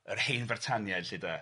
Yr hen Frytaniaid 'lly 'de.